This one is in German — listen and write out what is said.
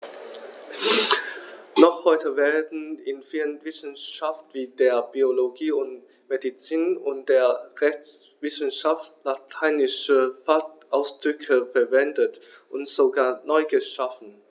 Noch heute werden in vielen Wissenschaften wie der Biologie, der Medizin und der Rechtswissenschaft lateinische Fachausdrücke verwendet und sogar neu geschaffen.